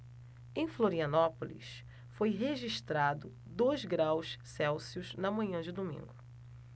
em florianópolis foi registrado dois graus celsius na manhã de domingo